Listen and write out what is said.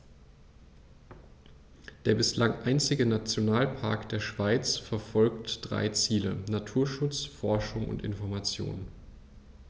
Der bislang einzige Nationalpark der Schweiz verfolgt drei Ziele: Naturschutz, Forschung und Information.